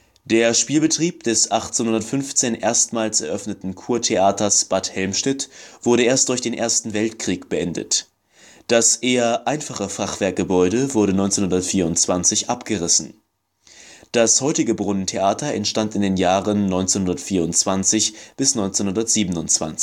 Der Spielbetrieb des 1815 erstmals eröffneten „ Kurtheaters Bad Helmstedt “wurde erst durch den Ersten Weltkrieg beendet. Das eher einfache Fachwerkgebäude wurde 1924 abgerissen. Das heutige Brunnentheater entstand in den Jahren 1924 bis 1927